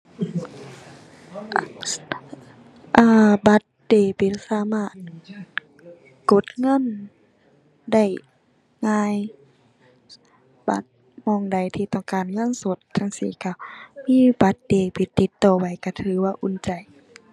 เอ่อ บัตรเดบิตสามารถกดเงินได้ง่าย บัดหม้องใดที่ต้องการเงินสดจั่งซี้ก็มีบัตรเดบิตติดก็ไว้ก็ถือว่าอุ่นใจ